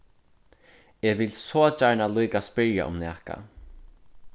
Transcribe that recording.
eg vil so gjarna líka spyrja um nakað